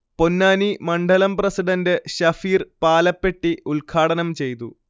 പൊന്നാനി മണ്ഡലം പ്രസിഡണ്ട് ശഫീർ പാലപ്പെട്ടി ഉൽഘാടനം ചെയ്തു